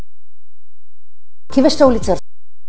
تويتر